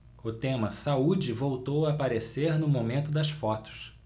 o tema saúde voltou a aparecer no momento das fotos